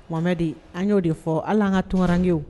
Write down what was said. Wa de an y'o de fɔ hali an ka tunkararanke